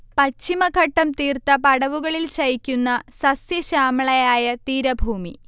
പശ്ചിമഘട്ടം തീർത്ത പടവുകളിൽ ശയിക്കുന്ന സസ്യ ശ്യാമളയായ തീരഭൂമി